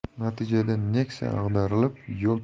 natijada nexia ag'darilib yo'l